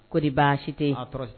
Ko baasi si tɛ